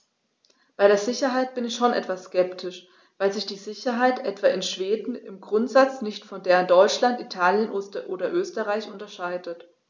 Bei der Sicherheit bin ich schon etwas skeptisch, weil sich die Sicherheit etwa in Schweden im Grundsatz nicht von der in Deutschland, Italien oder Österreich unterscheidet.